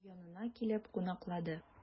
Янына килеп кунаклады.